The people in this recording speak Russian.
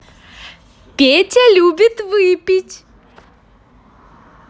петя любит выпить